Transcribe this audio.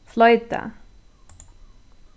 floyta